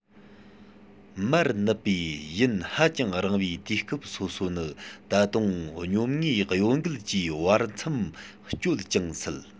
མར ནུབ པའི ཡུན ཧ ཅང རིང བའི དུས སྐབས སོ སོ ནི ད དུང སྙོམས ངོས གཡོ འགུལ གྱིས བར མཚམས གཅོད ཀྱང སྲིད